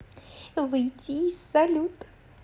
выйти из салют